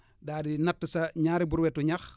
daal di natt sa ñaari brouette ñax